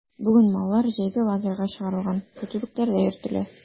Бүген маллар җәйге лагерьларга чыгарылган, көтүлекләрдә йөртелә.